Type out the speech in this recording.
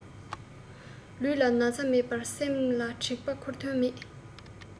ལུས ལ ན ཚ མེད པར སེམས ལ དྲེག པ ཁུར དོན མེད